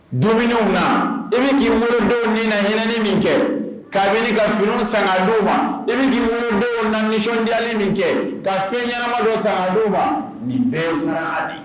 Donw na i bɛ ki wolo dɔw ni na yɛlɛani min kɛ ka bɛ ka dunun sanga don ma e bɛ k' wolo dɔw na nisɔnondiyali min kɛ ka fɛn ɲmadon sanga don ma nin bɛɛ sara